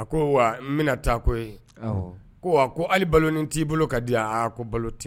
A ko wa n bɛna taa ko yen ko wa ko ali balo ni t'i bolo ka di ko balo tɛ